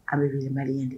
Aw bɛ wele mali ye de